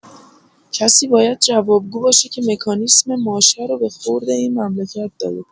کسی باید جواب‌گو باشه که مکانیسم ماشه رو به خورد این مملکت داد